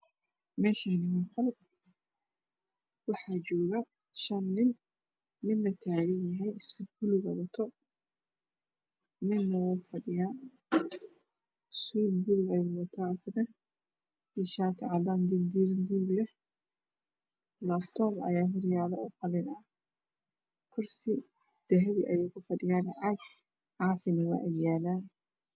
Meeshani waa qol waxaa joogo shan nin midna taaganyahay suud bulug ah wato midna wuu fadhiyaa suud buluug ah ayuu wataa iyo shaati cadan ah oo diil diilimo bulug ah leh laabtob ayaa horyaalo qalin ah kursi dahabi ah yay ku fadhiyan cag caafina wey horyaalan